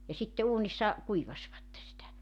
ja sitten uunissa kuivasivat sitä